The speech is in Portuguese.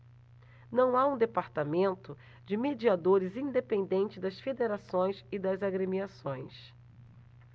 não há um departamento de mediadores independente das federações e das agremiações